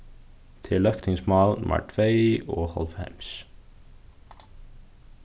tað er løgtingsmál nummar tveyoghálvfems